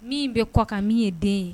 Min bɛ kɔkan min ye den ye